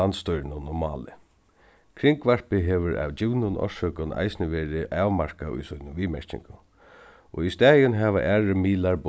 landsstýrinum um málið kringvarpið hevur av givnum orsøkum eisini verið avmarkað í sínum viðmerkingum og í staðin hava aðrir miðlar